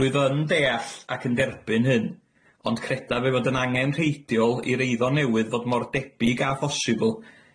Rwyf yn deall ac yn derbyn hyn, ond credaf ei fod yn angenrheidiol i'r eiddo newydd fod mor debyg â phosibl,